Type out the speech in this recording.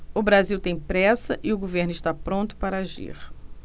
o brasil tem pressa e o governo está pronto para agir